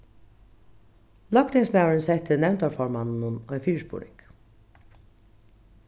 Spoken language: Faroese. løgtingsmaðurin setti nevndarformanninum ein fyrispurning